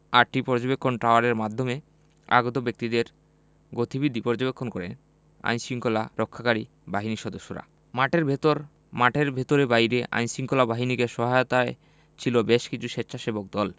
আটটি পর্যবেক্ষণ টাওয়ারের মাধ্যমে আগত ব্যক্তিদের গতিবিধি পর্যবেক্ষণ করেন আইনশৃঙ্খলা রক্ষাকারী বাহিনীর সদস্যরা মাঠের ভেতর মাঠের ভেতরে বাইরে আইনশৃঙ্খলা বাহিনীকে সহায়তায় ছিল বেশ কিছু স্বেচ্ছাসেবক দল